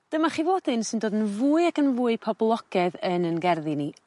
Dyma chi flodyn sy'n dod yn fwy ac yn fwy poblogedd yn 'yn gerddi ni